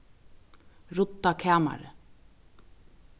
rudda kamarið